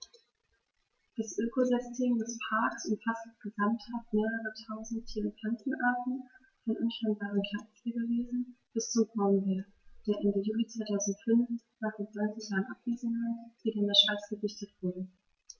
Das Ökosystem des Parks umfasst gesamthaft mehrere tausend Tier- und Pflanzenarten, von unscheinbaren Kleinstlebewesen bis zum Braunbär, der Ende Juli 2005, nach rund 90 Jahren Abwesenheit, wieder in der Schweiz gesichtet wurde.